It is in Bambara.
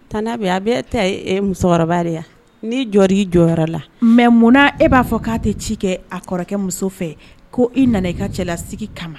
Tan' bɛ a bɛ ta musokɔrɔba de yan ni jɔ jɔyɔrɔyɔrɔ la mɛ munna e b'a fɔ k'a tɛ ci kɛ a kɔrɔkɛ muso fɛ ko i nana i ka cɛlasigi kama